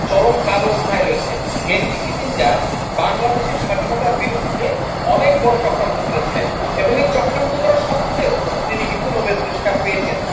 চরম কাল অধ্যায় রয়েছে হেনরি কিসিঞ্জার বাংলাদেশের স্বাধীনতার বিরুদ্ধে অনেক বড় চক্রান্ত করেছিলেন এবং এ চক্রান্ত করা সত্বেও তিনি কিন্তু নোবেল পুরস্কার পেয়েছেন